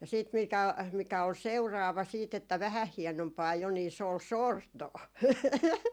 ja sitten mikä mikä oli seuraava siitä että vähän hienompaa jo niin se oli sortoa